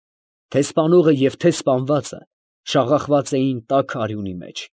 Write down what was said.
Թե՛ սպանողը և թե՛ սպանվածը շաղախված էին տաք արյունի մեջ։